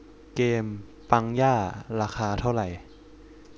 เกมปังย่าราคาเท่าไหร่